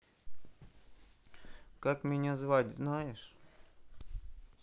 как меня звать знаешь